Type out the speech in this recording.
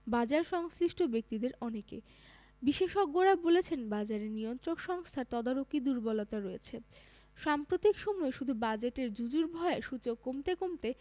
বাজারসংশ্লিষ্ট ব্যক্তিদের অনেকে বিশেষজ্ঞরা বলছেন বাজারে নিয়ন্ত্রক সংস্থার তদারকি দুর্বলতা রয়েছে সাম্প্রতিক সময়ে শুধু বাজেটের জুজুর ভয়ে সূচক কমতে কমতে